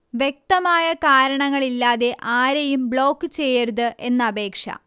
വ്യക്തമായ കാരണങ്ങൾ ഇല്ലാതെ ആരെയും ബ്ലോക്ക് ചെയ്യരുത് എന്ന് അപേക്ഷ